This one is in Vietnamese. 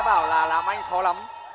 làm anh khó lắm